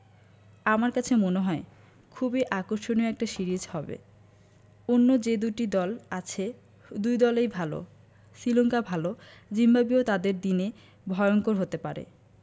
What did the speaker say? আমার কাছে মনে হয় খুবই আকর্ষণীয় একটা সিরিজ হবে অন্য যে দুটি দল আছে দুই দলই ভালো শ্রীলঙ্কা ভালো জিম্বাবুয়েও তাদের দিনে ভয়ংকর হতে পারে